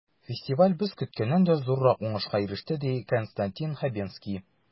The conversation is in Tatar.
Фестиваль без көткәннән дә зуррак уңышка иреште, ди Константин Хабенский.